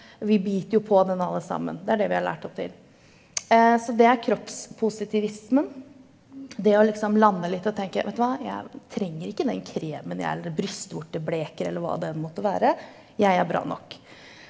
vi biter jo på den alle sammen, det er det vi er lært opp til, så det er kroppspositivismen, det å liksom lande litt og tenke vet du hva, jeg trenger ikke den kremen jeg eller brystvortebleker eller hva det enn måtte være, jeg er bra nok.